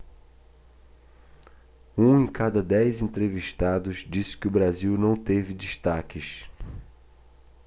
um em cada dez entrevistados disse que o brasil não teve destaques